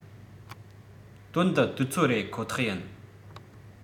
དོན དུ དུས ཚོད རེད ཁོ ཐག ཡིན